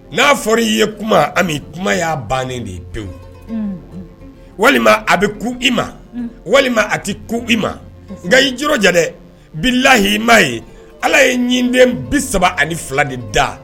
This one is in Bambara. -N'a fɔra i ye: kuma, Ami, kuma y'a bannen de ye pewu. Walima a bɛ ku i ma, walima a tɛ ku i ma nka i jurɔja dɛ, bilahi i m'a ye Ala ye ɲinden 32 de da